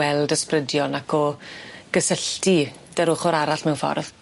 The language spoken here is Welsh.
weld ysbrydion ac o gysylltu 'dy'r ochor arall mewn ffordd?